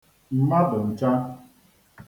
mmadụ ncha